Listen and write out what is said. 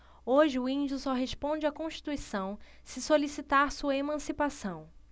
hoje o índio só responde à constituição se solicitar sua emancipação